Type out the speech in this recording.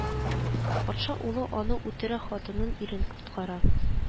Патша улы аны үтерә хатынның ирен коткара